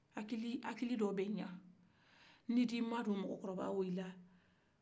hakili dɔ bɛ ɲa ni i bɛ i madon mɔgɔkɔrɔbawla